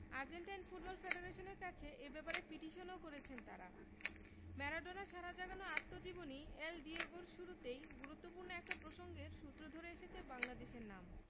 Argentine football ফেডারেশনের কাছে এ ব্যাপারে পিটিশনও করেছেন তাঁরা ম্যারাডোনার সাড়া জাগানো আত্মজীবনী এল ডিয়েগো র শুরুতেই গুরুত্বপূর্ণ একটা প্রসঙ্গের সূত্র ধরে এসেছে বাংলাদেশের নাম